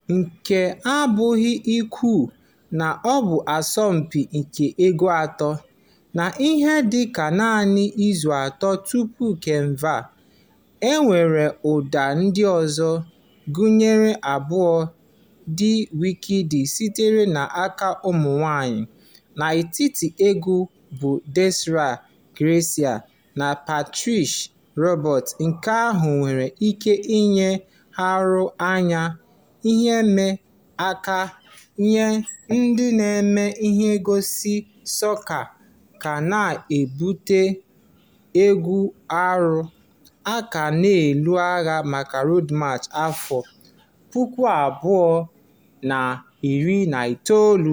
Nke a abụghị ikwu na ọ bụ asọmpị nke egwu atọ. N'ihe dị ka naanị izu atọ tupu Kanịva, e nwere ụda ndị ọzọ — gụnyere abụọ dị wikeedị sitere n'aka ụmụ nwaanyị na-eti egwu bụ Destra Garcia na Patrice Roberts — nke ahụ nwere ike nye nhọrọ anyị ihe ịma aka, yana ndị na-eme ihe ngosi sọka ka na-ebipụta egwu ọhụrụ, a ka na-alụ agha maka Road March 2019.